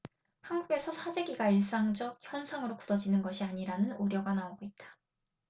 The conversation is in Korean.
한국에서 사재기가 일상적 현상으로 굳어지는 것이 아니냐는 우려가 나오고 있다